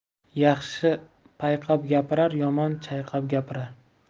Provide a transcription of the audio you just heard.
yaxshi payqab gapirar yomon chayqab gapirar